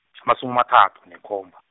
-sumi amathathu, nekhomba.